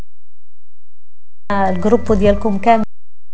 جروب